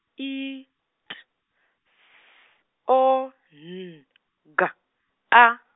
I T S O N G A.